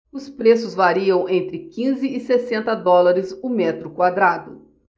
os preços variam entre quinze e sessenta dólares o metro quadrado